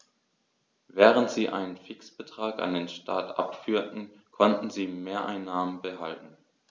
Während sie einen Fixbetrag an den Staat abführten, konnten sie Mehreinnahmen behalten.